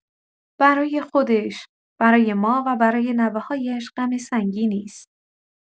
برای خودش، برای ما و برای نوه‌هایش غم سنگینی است.